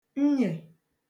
nnyè